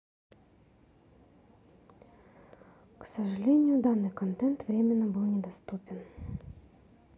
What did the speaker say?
к сожалению данный контент временно был недоступен